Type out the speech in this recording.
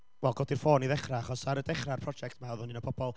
wel, codi'r ffôn i ddechrau, achos ar y dechrau'r prosiect 'ma oedd o'n un o pobl...